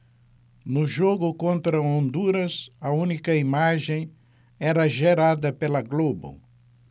no jogo contra honduras a única imagem era gerada pela globo